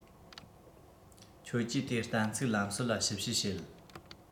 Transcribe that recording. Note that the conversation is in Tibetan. ཁྱོད ཀྱིས དེ གཏན ཚིགས ལམ སྲོལ ལ ཞིབ དཔྱད བྱེད